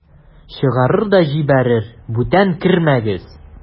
Чыгарыр да җибәрер: "Бүтән кермәгез!"